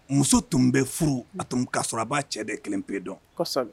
Muso tun bɛ furu a tun'a sɔrɔ a b'a cɛ de kelen pe dɔn